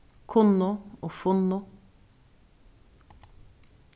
kunnu og funnu